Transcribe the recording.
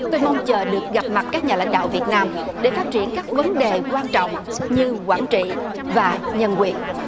tôi mong chờ được gặp mặt các nhà lãnh đạo việt nam để phát triển các vấn đề quan trọng như quảng trị và nhân quyền